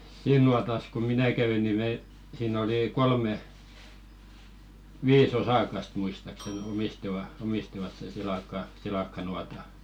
siinä nuotassa kun minä kävin niin me siinä oli kolme viisi osakasta muistaakseni omistivat omistivat sen - silakkanuotan